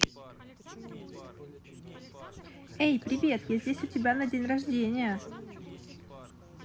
эй привет я здесь у тебя на день рождения